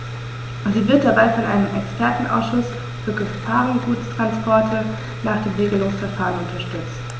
Sie wird dabei von einem Expertenausschuß für Gefahrguttransporte nach dem Regelungsverfahren unterstützt.